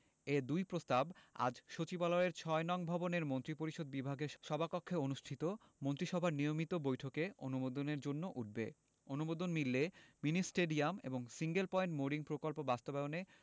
এ দুই প্রস্তাব আজ সচিবালয়ের ৬ নং ভবনের মন্ত্রিপরিষদ বিভাগের সভাকক্ষে অনুষ্ঠিত মন্ত্রিসভার নিয়মিত বৈঠকে অনুমোদনের জন্য উঠবে অনুমোদন মিললে মিনি স্টেডিয়াম এবং সিঙ্গেল পয়েন্ট মোরিং প্রকল্প বাস্তবায়নে